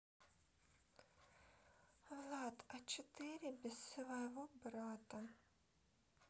влад а четыре без своего брата